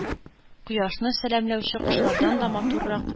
Кояшны сәламләүче кошлардан да матуррак ,